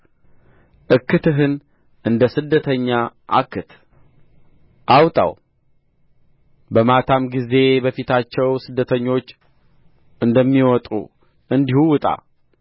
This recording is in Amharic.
እክትህን እንደ ስደተኛ እክት አውጣው በማታም ጊዜ በፊታቸው ስደተኞች እንደሚወጡ እንዲሁ ውጣ